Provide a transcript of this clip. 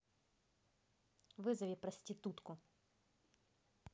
вызови проститутку